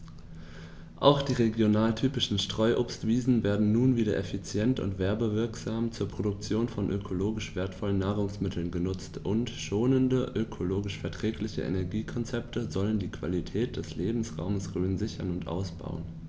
Auch die regionaltypischen Streuobstwiesen werden nun wieder effizient und werbewirksam zur Produktion von ökologisch wertvollen Nahrungsmitteln genutzt, und schonende, ökologisch verträgliche Energiekonzepte sollen die Qualität des Lebensraumes Rhön sichern und ausbauen.